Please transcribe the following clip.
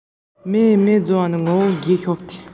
གཏམ དཔེ འདི འདྲ ཞིག གླིང སྒྲུང ན